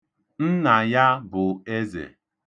Nna ya bụ eze.